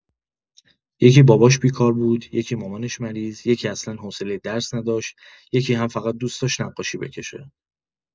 یکی باباش بیکار بود، یکی مامانش مریض، یکی اصلا حوصله درس نداشت، یکی هم فقط دوست داشت نقاشی بکشه.